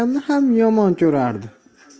akamni ham yomon ko'radi